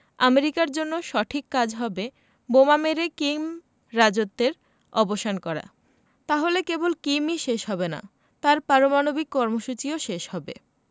আমেরিকার জন্য সঠিক কাজ হবে বোমা মেরে কিম রাজত্বের অবসান করা তাহলে কেবল কিমই শেষ হবে না তাঁর পারমাণবিক কর্মসূচিও শেষ হবে